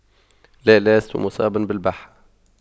لا لست مصابا بالبحة